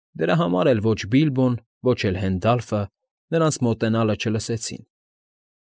Դրա համար էլ ոչ Բիլբոն, ոչ էլ Հենդալֆը նրանց մոտենալը չլսեցին։